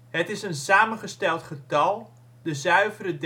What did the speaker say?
Het is een samengesteld getal, de zuivere